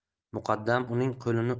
muqaddam uning qo'lini